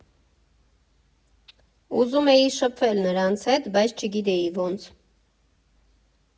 Ուզում էի շփվել նրանց հետ, բայց չգիտեի՝ ոնց։